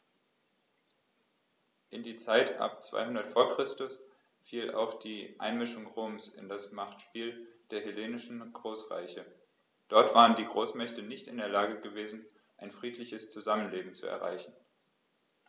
In die Zeit ab 200 v. Chr. fiel auch die Einmischung Roms in das Machtspiel der hellenistischen Großreiche: Dort waren die Großmächte nicht in der Lage gewesen, ein friedliches Zusammenleben zu erreichen.